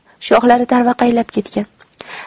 shoxlari tarvaqaylab ketgan